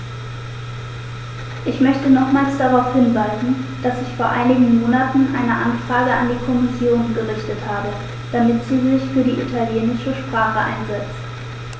Ich möchte nochmals darauf hinweisen, dass ich vor einigen Monaten eine Anfrage an die Kommission gerichtet habe, damit sie sich für die italienische Sprache einsetzt.